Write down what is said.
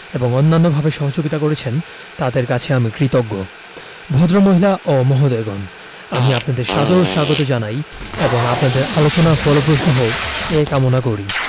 এবং অন্যান্যভাবে সহযোগিতা করেছেন তাঁদের কাছে আমি কৃতজ্ঞ ভদ্রমহিলা ও মহোদয়গণ আমি আপনাদের সাদর স্বাগত জানাই এবং আপনাদের আলোচনা ফলপ্রসূ হোক এ কামনা করি